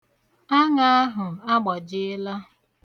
Aṅa ahụ agbajiela.